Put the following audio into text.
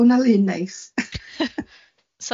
O, 'na lun neis.